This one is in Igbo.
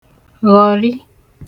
ghọ̀rị